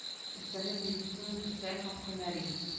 Өстәмә медицина социаль һәм һөнәри